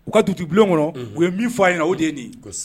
U ka dutu bulon kɔnɔ u ye min fɔ'a ɲɛna o de ye nin